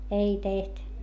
ei tehnyt